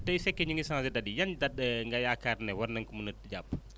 tey su fekkee ñu ngi cahnger dates yi yan dates nga yaakaar ne war nañ ko mun a jàpp